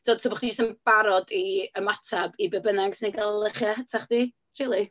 So, tibod, bo' chdi jyst yn barod i ymateb i be bynnag sy'n cael ei luchio ata chdi, rili.